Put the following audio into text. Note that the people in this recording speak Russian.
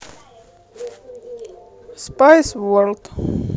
спайс ворлд